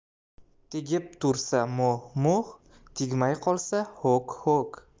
tegib tursa mo'h mo'h tegmay qolsa ho'k ho'k